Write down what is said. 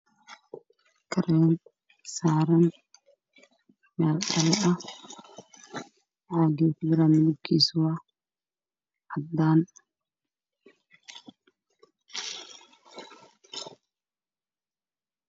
Kareen saaran meel miis ah caaga uu kujiro waa cadaan